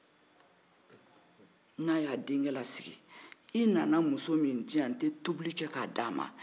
n'a ya denkɛ lasigi i nana muso min di yan n tɛ tobili kɛ a di a ma